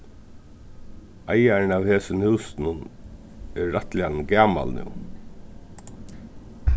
eigarin av hesum húsinum er rættiliga gamal nú